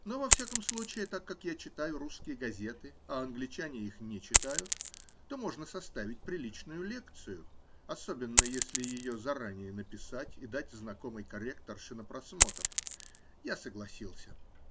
но, во всяком случае, так как я читаю русские газеты, а англичане их не читают, то можно составить приличную лекцию, особенно если ее заранее написать и дать знакомой корректорше на просмотр. Я согласился.